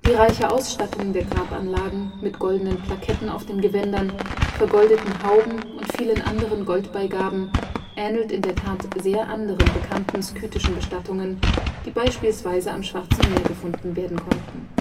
reiche Ausstattung der Grabanlagen mit goldenen Plaketten auf den Gewändern, vergoldeten Hauben und vielen anderen Goldbeigaben ähnelt in der Tat sehr anderen bekannten skythischen Bestattungen, die beispielsweise am Schwarzen Meer gefunden werden konnten